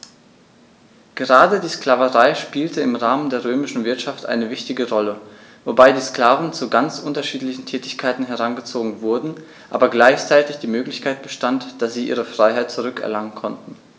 Gerade die Sklaverei spielte im Rahmen der römischen Wirtschaft eine wichtige Rolle, wobei die Sklaven zu ganz unterschiedlichen Tätigkeiten herangezogen wurden, aber gleichzeitig die Möglichkeit bestand, dass sie ihre Freiheit zurück erlangen konnten.